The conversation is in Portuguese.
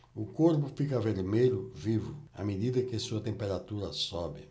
o corpo fica vermelho vivo à medida que sua temperatura sobe